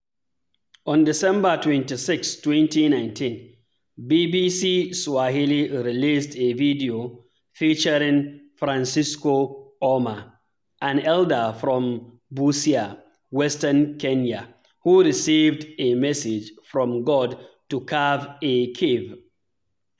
On December 26, 2019, BBC Swahili released a video featuring Francisco Ouma, an elder from Busia, western Kenya, who received a message from God to carve a cave.